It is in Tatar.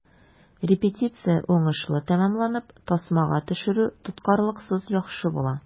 Репетиция уңышлы тәмамланып, тасмага төшерү тоткарлыксыз яхшы була.